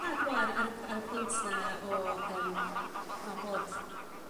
Na dwi me'wl ar y ar y p- ar y pwynt 'na o yym dw- dw- dwi me'wl bod